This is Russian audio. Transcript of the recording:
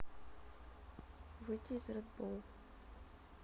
выйди из red bull